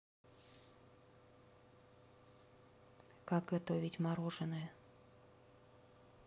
как готовить мороженое